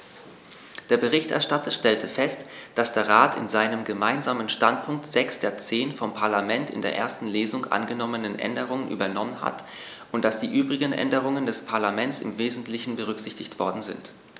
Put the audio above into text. Der Berichterstatter stellte fest, dass der Rat in seinem Gemeinsamen Standpunkt sechs der zehn vom Parlament in der ersten Lesung angenommenen Änderungen übernommen hat und dass die übrigen Änderungen des Parlaments im wesentlichen berücksichtigt worden sind.